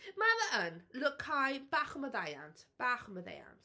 Mae fe yn. Look Kai, bach o maddeuant, bach o maddeuant